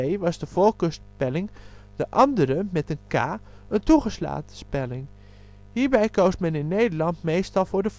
was de voorkeurspelling, de andere (aktie) de toegelaten spelling. Hierbij koos men in Nederland meestal voor de